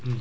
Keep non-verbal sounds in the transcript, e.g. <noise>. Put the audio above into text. <hesitation> <hesitation>